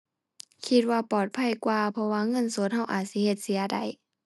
คิดว่าปลอดภัยกว่า เพราะว่าเงินสดเราอาจสิเฮ็ดเสียได้